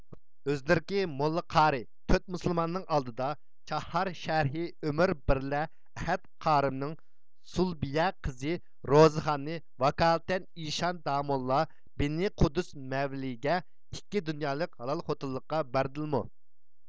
ئۆزلىرىكى موللا قارىي تۆت مۇسۇلماننىڭ ئالدىدا چاھار شەرئى ئۆمۈر بىرلە ئەھەت قارىمنىڭ سۇلبىيە قىزى روزىخاننى ۋاكالىتەن ئىشان داموللا بىننى قۇددۇس مەۋلىيەگە ئىككى دۇنيالىق ھالال خوتۇنلۇققا بەردىلىمۇ